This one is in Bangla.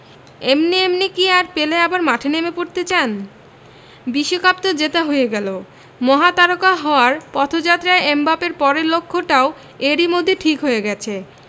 এমনি এমনি কি আর পেলে আবার মাঠে নেমে পড়তে চান বিশ্বকাপ তো জেতা হয়ে গেল মহাতারকা হওয়ার পথযাত্রায় এমবাপ্পের পরের লক্ষ্যটাও এরই মধ্যে ঠিক হয়ে গেছে